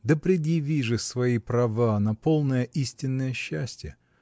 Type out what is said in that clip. да предъяви же свои права на полное, истинное счастье!